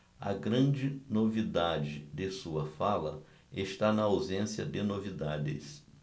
a grande novidade de sua fala está na ausência de novidades